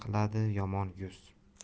qiladi yomon yuz